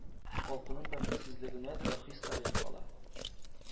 Халкының бәхетсезлегенә, “даһи” сталин кала.